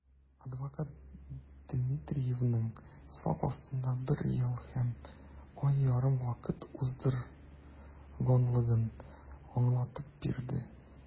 Адвокат Дмитриевның сак астында бер ел һәм ай ярым вакыт уздырганлыгын аңлатып бирде.